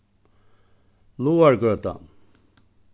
lágargøta